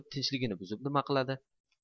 tinchligini buzib nima qiladi